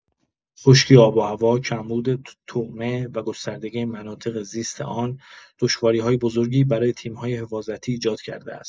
خشکی آب‌وهوا، کمبود طعمه و گستردگی مناطق زیست آن، دشواری‌های بزرگی برای تیم‌های حفاظتی ایجاد کرده است.